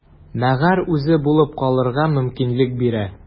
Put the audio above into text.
Мәгәр үзе булып калырга мөмкинлек бирә.